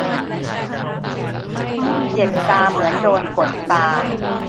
เจ็บตาเหมือนโดนกดตา